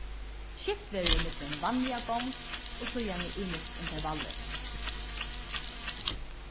skift verður ímillum vanliga gongd og síðani ymisk intervallir